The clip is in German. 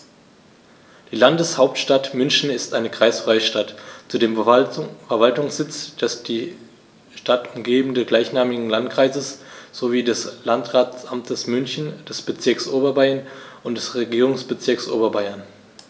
Die Landeshauptstadt München ist eine kreisfreie Stadt, zudem Verwaltungssitz des die Stadt umgebenden gleichnamigen Landkreises sowie des Landratsamtes München, des Bezirks Oberbayern und des Regierungsbezirks Oberbayern.